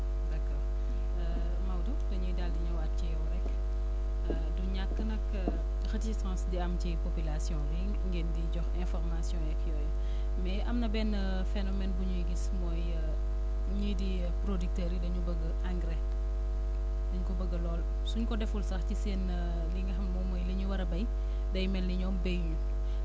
d' accord Maodo dañuy daal di ñëwaat ci yow rek du ñàkk nag résistance di am ci population bi ngeen di jox information yeeg yooyu mais am na benn phénomène bu ñuy gis mooy ñii di producteurs yi dañu bëgg engrais dañu ko bëgg lool su ñu ko deful sax ci seen li nga xam moom mooy li ñu war a béy day mel ni ñoom béyuñu